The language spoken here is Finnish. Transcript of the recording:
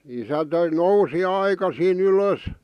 isä nousi aikaisin ylös